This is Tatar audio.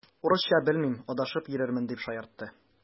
Урысча белмим, адашып йөрермен, дип шаяртты.